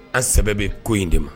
An sɛbɛ be ko in de ma.